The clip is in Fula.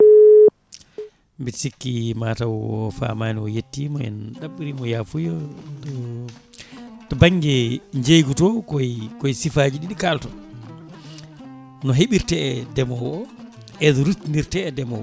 mbiɗa sikki mataw o famani o yettima en ɗaɓɓirimo yafuya to banggue jeygu to koyi koyi siifa ɗiɗi kalton no heeɓirte e ndeemowo o e no ruttinirte e ndeemowo o